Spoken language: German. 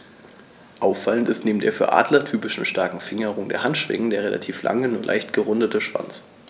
Auffallend ist neben der für Adler typischen starken Fingerung der Handschwingen der relativ lange, nur leicht gerundete Schwanz.